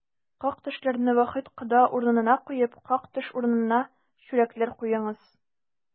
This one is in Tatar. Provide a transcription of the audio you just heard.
Как-төшләрне Вахит кода урынына куеп, как-төш урынына чүрәкләр куеңыз!